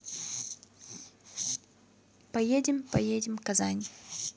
поедем поедим казань